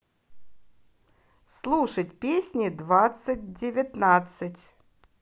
слушать песни двадцать девятнадцать